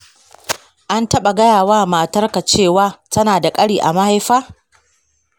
an taɓa gaya wa matarka cewa tana da ƙari a mahaifa?